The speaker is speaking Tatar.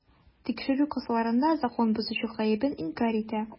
Тикшерү кысаларында закон бозучы гаебен инкарь итә.